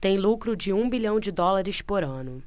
tem lucro de um bilhão de dólares por ano